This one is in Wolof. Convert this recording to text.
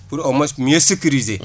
pour au moins mieux sécuriser